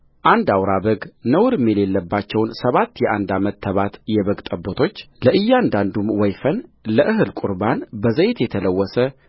አንድ አውራ በግ ነውርም የሌለባቸውን ሰባት የአንድ ዓመት ተባት የበግ ጠቦቶችለእያንዳንዱም ወይፈን ለእህል ቍርባን በዘይት የተለወሰ